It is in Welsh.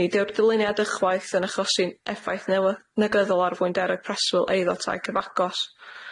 Nid yw'r dyluniad ychwaith yn achosi'n effaith newy- negyddol ar fwynder y preswyl eiddo tai cyfagos.